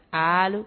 Alo